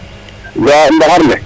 Ga'aa ndaxar ne